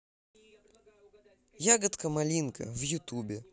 ягодка малинка в ютубе